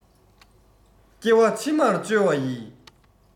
སྐྱ བ ཕྱི མར བཅོལ བ ཡི